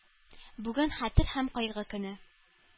Бүген – Хәтер һәм кайгы көне.